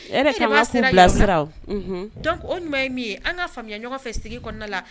unhun, donc o ɲuman ye min ye an k'a faamuya ɲɔgɔn fɛ sigi kɔnɔna la